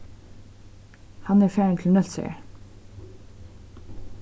hann er farin til nólsoyar